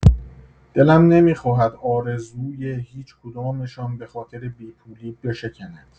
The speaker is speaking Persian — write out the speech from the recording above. دلم نمی‌خواهد آرزوی هیچ‌کدامشان به‌خاطر بی‌پولی بشکند.